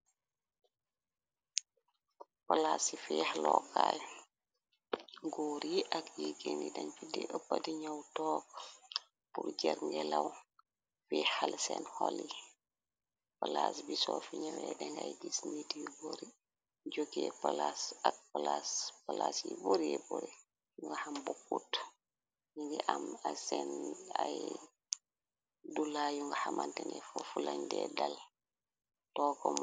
polaas yi fiix lookaay góor yi ak yiggeeni dañ ci de ëppa di ñaw took bur jër nge law Fiix xal seen xoli polaas bi soo fi ñawe dengay jis nit yu góor yi jogee polaas ak polaas polaas yi bureeboy nga xam bo kuut ni ngi am a seen ay dula yu nga xamantene fo fu lañdee dal tookomo.